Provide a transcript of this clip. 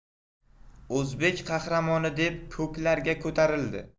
o'zbek qahramoni deb ko'klarga ko'tarildi